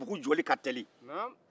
bugu jɔli ka teli